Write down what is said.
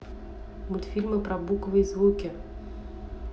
мультфильмы про буквы и звуки